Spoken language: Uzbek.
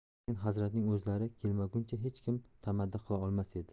lekin hazratning o'zlari kelmaguncha hech kim tamaddi qila olmas edi